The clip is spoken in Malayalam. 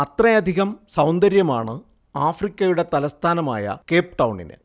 അത്രയധികം സൗന്ദര്യമാണ് ആഫ്രിക്കയുടെ തലസ്ഥാനമായ കേപ് ടൗണിന്